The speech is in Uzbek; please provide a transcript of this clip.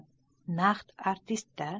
naq artist a